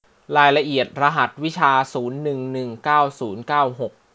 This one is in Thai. รายละเอียดรหัสวิชาศูนย์หนึ่งหนึ่งเก้าศูนย์เก้าหก